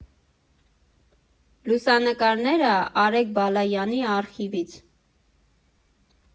Լուսանկարները՝ Արեգ Բալայանի արխիվից։